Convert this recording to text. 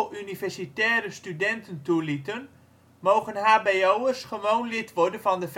universitaire studenten toelieten, mogen hbo'ers gewoon lid worden van de